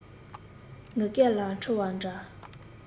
ངུ སྐད ལ འཁྲུལ བ འདྲ